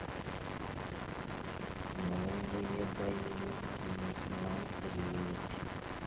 новые боевики смотреть